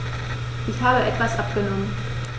Ich habe etwas abgenommen.